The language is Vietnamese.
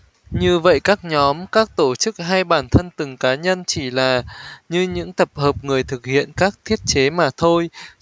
như vậy các nhóm các tổ chức hay bản thân từng cá nhân chỉ là như những tập hợp người thực hiện các thiết chế mà thôi